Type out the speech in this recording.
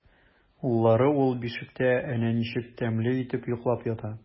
Уллары ул бишектә әнә ничек тәмле итеп йоклап ята!